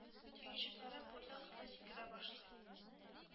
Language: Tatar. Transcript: Төенчекләрем үрле-кырлы сикерә башлый.